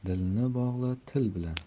dilni bog'la til bilan